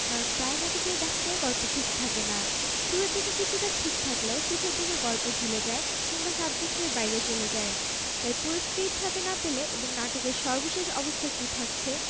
কারণ প্রায় নাটকেই দেখা যায় গল্প ঠিক থাকে না শুরুর দিকে কিছুটা ঠিক থাকলেও শেষের দিকে গল্প ঝুলে যায় কিংবা সাবজেক্টের বাইরে চলে যায় তাই পুরো স্ক্রিপ্ট হাতে না পেলে এবং নাটকের সর্বশেষ অবস্থা কী থাকছে